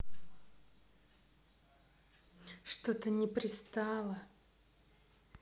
что то не пристало